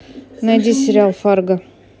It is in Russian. найди сериал фарго